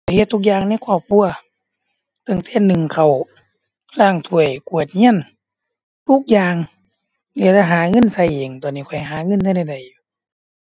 ข้อยเฮ็ดทุกอย่างในครอบครัว ตั้งแต่นึ่งข้าว ล้างถ้วย กวาดเรือน ทุกอย่าง เหลือแต่หาเงินเรือนเอง ตอนนี้ข้อยหาเงินทันได้ได้อยู่